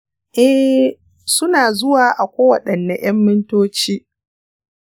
eh, su na zuwa a kowaɗanne ƴan mintoci